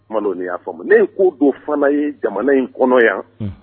N m'a dɔn n'i y'a faamu ne ko dɔw fana ye jamana in kɔnɔ yan, unhun